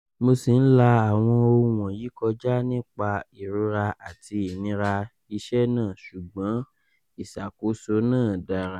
Mo ṣi ń la àwọn ohun wọ̀nyí kọjá nípa ìrora àti ìnira iṣẹ náà ṣùgbọ́n ìṣàkóso náà dára.